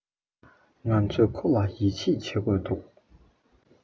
ང ཚོས ཁོ ལ ཡིད ཆེད བྱེད དགོས འདུག